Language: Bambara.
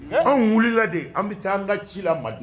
An wulilala de an bɛ taa an ka ci la madi